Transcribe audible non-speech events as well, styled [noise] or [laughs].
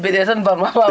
ñebbe ɗee tan barno [laughs]